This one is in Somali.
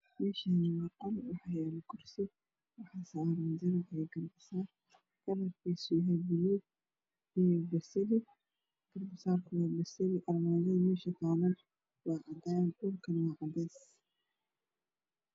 Meshaani waa qol waxaa yaalo kursi waxaa saran darbig gabsaar kalarkiisu yahay baluug iyo basali gabsarkun waa basali armajad mesha taalo waa cadaan dhulkane waa cadees